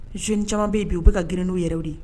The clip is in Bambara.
Jeune caman be yen bi u bi ka girin nu yɛrɛw de ye.